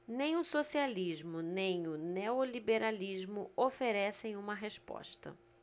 nem o socialismo nem o neoliberalismo oferecem uma resposta